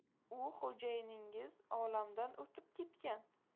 u xo'jayiningiz olamdan o'tib ketgan